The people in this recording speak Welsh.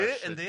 Ie yndi.